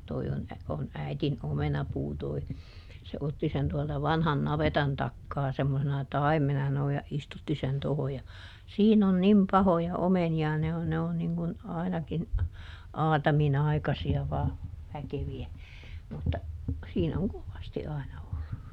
tuo on on äidin omenapuu tuo se otti sen tuolta vanhan navetan takaa semmoisena taimena sanoi ja istutti sen tuohon ja siinä on niin pahoja omenia ne on ne on niin kuin ainakin aataminaikaisia vain väkeviä mutta siinä on kovasti aina ollut